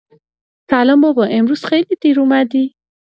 سلام بابا، امروز خیلی دیر اومدی.